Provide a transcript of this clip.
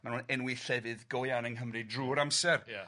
mae nw'n enwi llefydd go iawn yng Nghymru drwy'r amser... Ia...